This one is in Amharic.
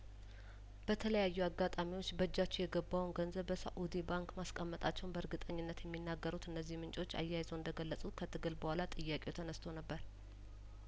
በተለያዩ አጋጣሚዎች በእጃቸው የገባውን ገንዘብ በሳኡዲ ባንክ ማስቀመጣቸውን በእርግጠኝነት የሚናገሩት እነዚህ ምንጮች አያይዘው እንደገለጹት ከትግል በኋላ ጥያቄው ተነስቶ ነበር